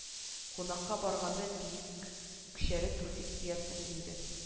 Кунакка барганда биек үкчәле туфли киярсең инде